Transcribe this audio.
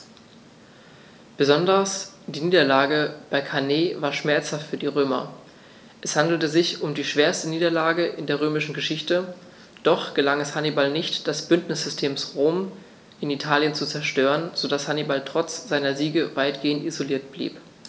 Besonders die Niederlage bei Cannae war schmerzhaft für die Römer: Es handelte sich um die schwerste Niederlage in der römischen Geschichte, doch gelang es Hannibal nicht, das Bündnissystem Roms in Italien zu zerstören, sodass Hannibal trotz seiner Siege weitgehend isoliert blieb.